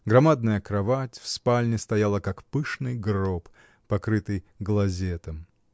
громадная кровать в спальне стояла, как пышный гроб, покрытый глазетом.